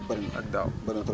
waa ñi jot a dugg ren bëri na